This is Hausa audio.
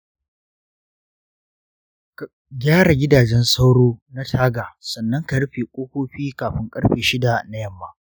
ka gyara gidajen sauro na taga sannan ka rufe kofofi kafin karfe shida na yamma.